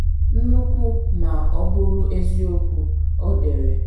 “Nnukwu ma ọ bụrụ eziokwu,” ọ dere.